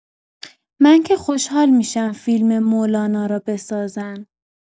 من که خوشحال می‌شم فیلم مولانا رو بسازن.